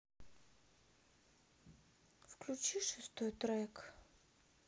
включи шестой трек